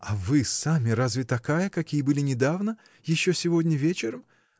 — А вы сами разве такая, какие были недавно, еще сегодня вечером?